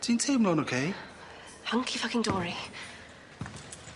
Ti'n teimlo'n oce? Hunky ffycin dory.